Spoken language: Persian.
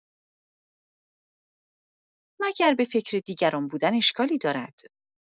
مگر به فکر دیگران بودن اشکالی دارد؟